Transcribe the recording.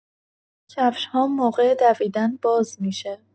کفش‌هام موقع دویدن باز می‌شه.